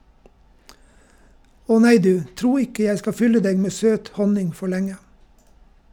- Åh nei du , tro ikke jeg skal fylle deg med søt honning for lenge.